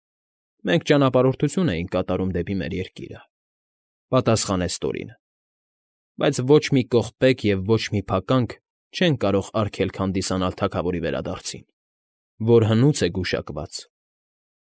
Մենք ճանապարհորդություն էինք կատարում դեպի մեր երկիրը,֊ պատասխանեց Տորինը։֊ Բայց ոչ մի կողպեք և ոչ մի փականք չեն կարող արգելք հանդիսանալ թագավորի վերադարձին, որ հնուց է գուշակված։